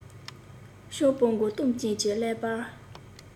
སྤྱང པོ མགོ སྟོང ཅན གྱི ཀླད པ